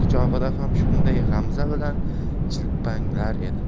quchog'ida ham shunday g'amza bilan jilpanglar edi